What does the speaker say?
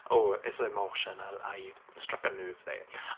oh, it's emotional, I, struck a nerve there.